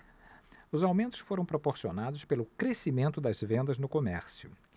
os aumentos foram proporcionados pelo crescimento das vendas no comércio